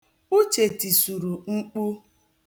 Uche tisuru mkpu.